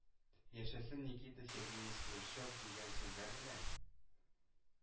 Яшәсен Никита Сергеевич Хрущев! дигән сүзләр белән